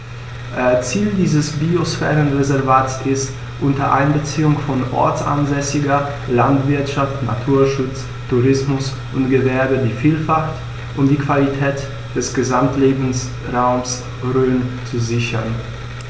Ziel dieses Biosphärenreservates ist, unter Einbeziehung von ortsansässiger Landwirtschaft, Naturschutz, Tourismus und Gewerbe die Vielfalt und die Qualität des Gesamtlebensraumes Rhön zu sichern.